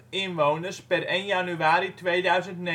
inwoners (1 januari 2009